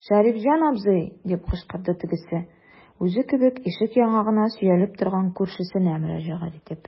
Шәрифҗан абзый, - дип кычкырды тегесе, үзе кебек ишек яңагына сөялеп торган күршесенә мөрәҗәгать итеп.